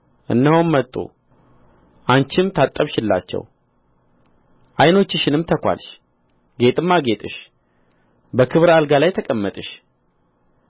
እነሆም መጡ አንቺም ታጠብሽላቸው ዓይኖችሽንም ተኳልሽ ጌጥም አጌጥሽ በክብር አልጋ ላይ ተቀመጥሽ